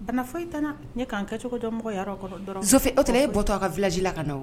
Bana foyi tɛ n na . N ye ka n kɛ cogo dɔn mɔgɔ ya la dɔrɔn de. Zofe o kuma e bɔ tɔ a ka village la ka na